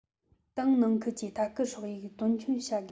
ཏང ནང ཁུལ གྱི ལྟ སྐུལ སྲོལ ཡིག དོན འཁྱོལ བྱ དགོས